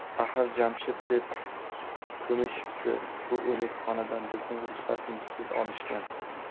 axir jamshid deb ko'mishibdi ku o'likxonadan bizning ruxsatimizsiz olishgan